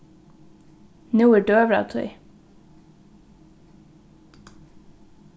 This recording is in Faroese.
nú er døgurðatíð